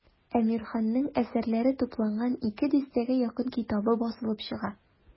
Әмирханның әсәрләре тупланган ике дистәгә якын китабы басылып чыга.